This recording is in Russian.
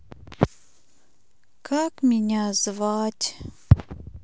как меня звать